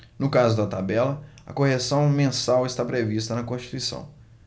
no caso da tabela a correção mensal está prevista na constituição